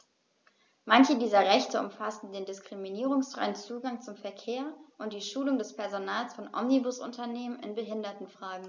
Manche dieser Rechte umfassen den diskriminierungsfreien Zugang zum Verkehr und die Schulung des Personals von Omnibusunternehmen in Behindertenfragen.